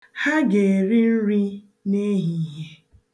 Ha ga-eri nri n'ehihie.